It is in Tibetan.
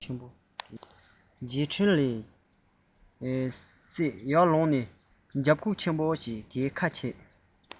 རྗེས དྲན ལས སད ཡར ལངས ནས རྒྱབ ཁུག ཆེན པོ དེའི ཁ ཕྱེས